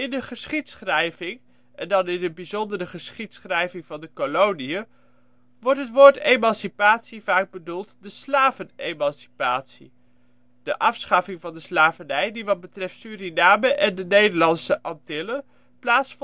de geschiedschrijving - en dan in het bijzonder de geschiedschrijving van de koloniën - wordt met het woord ' emancipatie ' vaak bedoeld de slavenemancipatie: de afschaffing van de slavernij, die wat betreft Suriname en de Nederlandse Antillen plaats